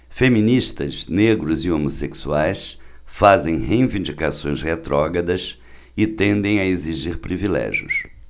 feministas negros e homossexuais fazem reivindicações retrógradas e tendem a exigir privilégios